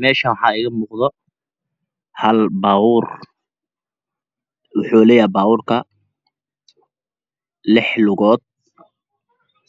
Meeshan waxa iga moqdoh hal bawor wuxleyahy baworka lix logood